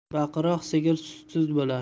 baqiroq sigir sutsiz bo'lar